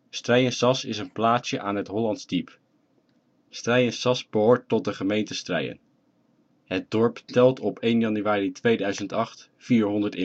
Strijensas is een plaatsje aan het Hollands Diep. Strijensas behoort tot de gemeente Strijen. Het dorp telt op 1 januari 2008 400 inwoners